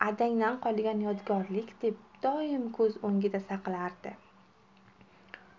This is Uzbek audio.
adangdan qolgan yodgorlik deb doim ko'z o'ngida saqlardi